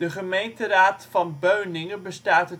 gemeenteraad van Beuningen bestaat